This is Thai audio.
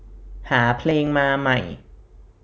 หาเพลงมาใหม่